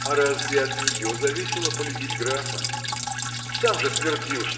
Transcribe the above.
– А разве от нее зависело полюбить графа? Сам же твердил